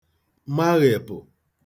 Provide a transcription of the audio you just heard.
maghèpụ̀